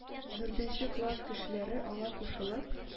Дүртенче класс кешеләре аңа кушылып: